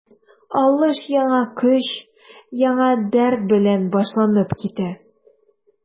Алыш яңа көч, яңа дәрт белән башланып китә.